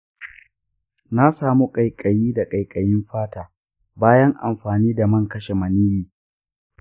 na samu ƙaiƙayi da ƙaiƙayin fata bayan amfani da man kashe maniyyi.